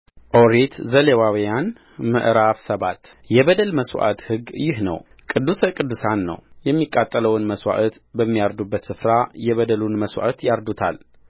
ኦሪት ዘሌዋውያን ምዕራፍ ሰባት የበደል መሥዋዕት ሕግ ይህ ነው ቅዱስ ቅዱሳን ነውየሚቃጠለውን መሥዋዕት በሚያርዱበት ስፍራ የበደሉን መሥዋዕት ያርዱታል